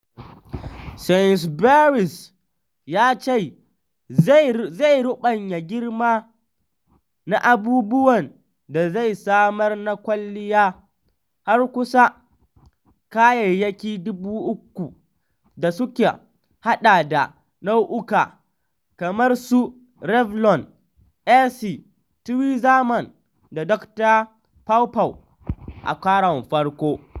Sainsbury’s ya ce zai ruɓanya girma na abubuwan da zai samar na kwalliya har kusan kayayyaki 3,000, da suka haɗa da nau’uka kamar su Revlon, Essie, Tweezerman da Dokta PawPaw a karon farko.